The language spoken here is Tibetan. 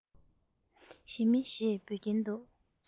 ཞི མི ཞེས འབོད ཀྱིན འདུག